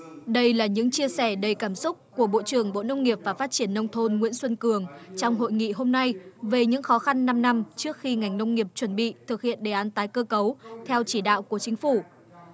đây là những chia sẻ đầy cảm xúc của bộ trưởng bộ nông nghiệp và phát triển nông thôn nguyễn xuân cường trong hội nghị hôm nay về những khó khăn năm năm trước khi ngành nông nghiệp chuẩn bị thực hiện đề án tái cơ cấu theo chỉ đạo của chính phủ